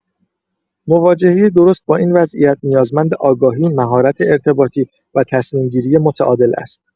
مواجهه درست با این وضعیت، نیازمند آگاهی، مهارت ارتباطی و تصمیم‌گیری متعادل است.